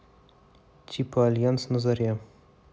типа альянс на заре